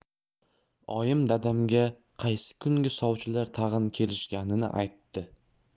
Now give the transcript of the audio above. oyim dadamga qaysi kungi sovchilar tag'in kelishganini aytdi